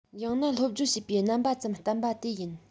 ཡང ན སློབ སྦྱོང བྱེད པའི རྣམ པ ཙམ བསྟན པ དེ ཡིན